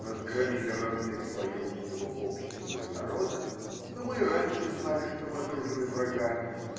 нас громили разные слои русского общества и народа, но мы и раньше знали, что мы окружены врагами